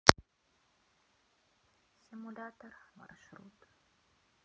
симулятор маршрут